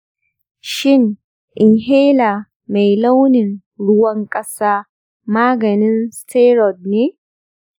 shin inhalar mai launin ruwan kasa maganin steroid ne?